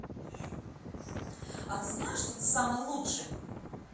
а ты знаешь что ты самый лучший